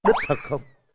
đích thực không